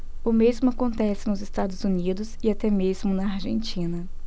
o mesmo acontece nos estados unidos e até mesmo na argentina